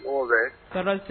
O bɛ taa